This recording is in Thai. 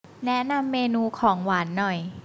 แนะนำเมนูของหวานหน่อย